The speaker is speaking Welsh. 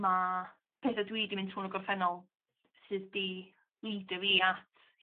ma' petha dwi 'di mynd trw' yn y gorffennol sydd 'di lîdio fi at